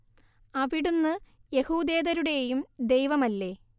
അവിടുന്ന് യഹൂദേതരുടേയും ദൈവമല്ലേ